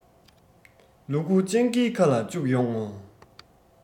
ལུ གུ སྤྱང ཀིའི ཁ ལ བཅུག ཡོང ངོ